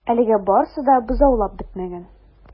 Әлегә барысы да бозаулап бетмәгән.